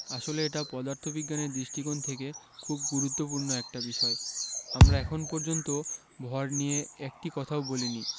আসলে এটা পদার্থবিজ্ঞানের দৃষ্টিকোণ থেকে খুব গুরুত্বপূর্ণ একটা বিষয় আমরা এখন পর্যন্ত ভর নিয়ে একটি কথাও বলিনি